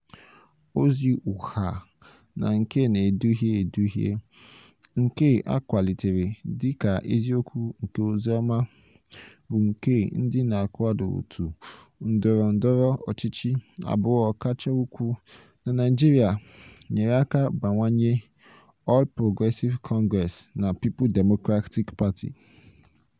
Ozi ụgha na nke na-eduhie eduhie, nke a kwalitere dị ka eziokwu nke oziọma, bụ nke ndị na-akwado òtù ndọrọ ndọrọ ọchịchị abụọ kacha ukwu na Naịjirịa nyere aka bawanye: All Progressive Congress (APC) na People's Democratic Party (PDP).